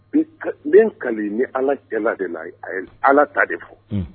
N bɛ ka ni ala kɛlɛ de na a ala ta de fo